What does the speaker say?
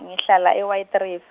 ngihlala e- Whiteriv-.